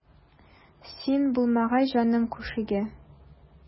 Син булмагач җаным күшегә.